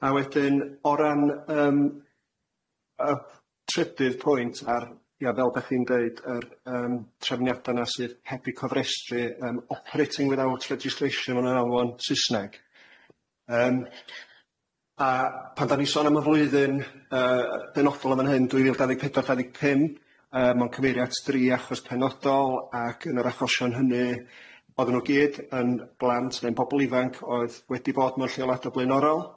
A wedyn o ran yym yy trydydd pwynt a'r ia, fel dach chi'n deud yr yym trefniada 'na sydd heb eu cofrestru yym operating without Registration ma' nhw'n alw fo'n Saesneg, yym a pan 'dan ni'n sôn am y flwyddyn yy yy benodol yn fan hyn dwy fil dau ddeg pedwar dau ddeg pump yy ma'n cyfieiro at dri achos penodol ac yn yr achosion hynny o'dden nhw'i gyd yn blant neu'n bobol ifanc oedd wedi bod mewn lleoliadau blaenorol.